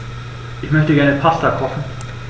Ich möchte gerne Pasta kochen.